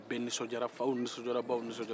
bɛɛ nisɔndiyara faw nisɔndiya baw nisɔndiyara